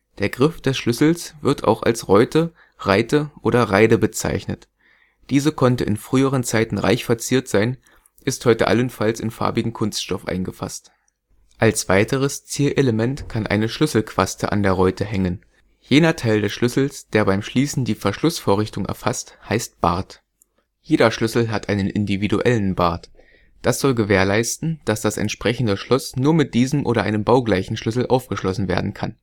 Der Griff des Schlüssels wird auch als Räute, Reite oder Reide bezeichnet. Diese konnte in früheren Zeiten reich verziert sein, ist heute allenfalls in farbigen Kunststoff eingefasst. Als weiteres Zierelement kann eine Schlüsselquaste an der Räute hängen. Jener Teil des Schlüssels, der beim Schließen die Verschlussvorrichtung erfasst, heißt Bart. Jeder Schlüssel hat einen individuellen Bart. Das soll gewährleisten, dass das entsprechende Schloss nur mit diesem oder einem baugleichen Schlüssel aufgeschlossen werden kann